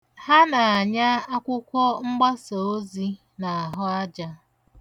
Ha na-anya akwụkwọ mgbasa ozi n'ahụ aja.